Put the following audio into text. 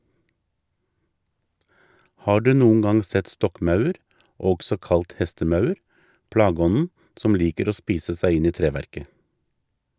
Har du noen gang sett stokkmaur, også kalt hestemaur, plageånden som liker å spise seg inn i treverket?